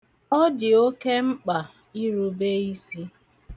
Ọ dị oke mkpa irube isi.